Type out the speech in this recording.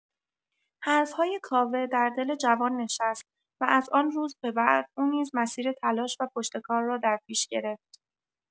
حرف‌های کاوه در دل جوان نشست و از آن روز به بعد، او نیز مسیر تلاش و پشتکار را در پیش گرفت.